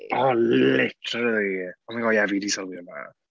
Oh literally! Oh my god ie, fi 'di sylwi hwnna.